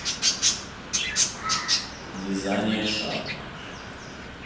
вязание шапок